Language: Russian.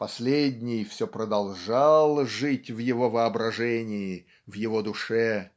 последний все продолжал жить в его воображении, в его душе.